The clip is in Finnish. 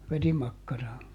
verimakkaraa